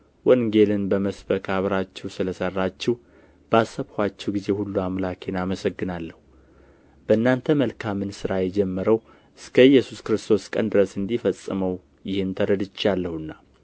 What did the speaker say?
ወንጌልን በመስበክ አብራችሁ ስለ ሠራችሁ ባሰብኋችሁ ጊዜ ሁሉ አምላኬን አመሰግናለሁ በእናንተ መልካምን ሥራ የጀመረው እስከ ኢየሱስ ክርስቶስ ቀን ድረስ እንዲፈጽመው ይህን ተረድቼአለሁና